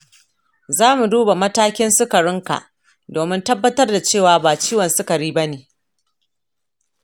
zamu duba matakin sukarinka domin tabbatar da cewa ba ciwon sukari ba ne.